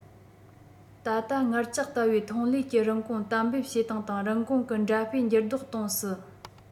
ད ལྟ ངར ལྕགས ལྟ བུའི ཐོན ལས ཀྱི རིན གོང གཏན འབེབས བྱེད སྟངས དང རིན གོང གི འདྲ དཔེ འགྱུར ལྡོག གཏོང སྲིད